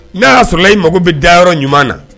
N'a y'a sɔrɔ la i mago bɛ dayɔrɔ ɲuman na